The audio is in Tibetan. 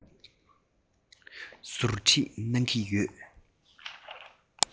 ཟུར ཁྲིད གནང གི ཡོད